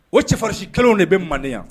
O cɛfarinsikɛlaw de bɛ manden yan